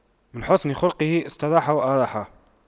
من حسن خُلُقُه استراح وأراح